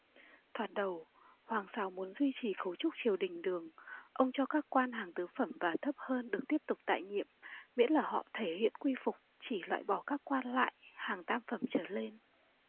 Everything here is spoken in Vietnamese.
thoạt đầu hoàng sào muốn duy trì cấu trúc triều đình đường ông cho các quan hàng tứ phẩm và thấp hơn được tiếp tục tại nhiệm miễn là họ thể hiện quy phục chỉ loại bỏ các quan lại hàng tam phẩm trở lên